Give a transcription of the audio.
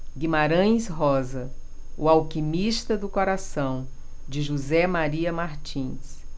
guimarães rosa o alquimista do coração de josé maria martins